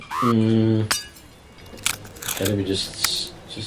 Mmm gadael fi jyst s- jyst...